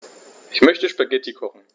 Ich möchte Spaghetti kochen.